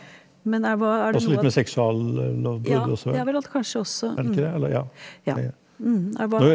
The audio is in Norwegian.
men er hva er det noe ja det er vel kanskje også ja hva er?